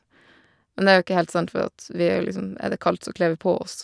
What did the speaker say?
Men det er jo ikke helt sant, for at vi er jo liksom er det kaldt så kler vi på oss.